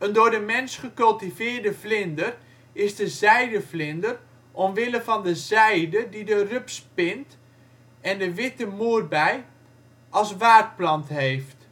door de mens gecultiveerde vlinder is de zijdevlinder omwille van de zijde die de rups spint en de witte moerbei als waardplant heeft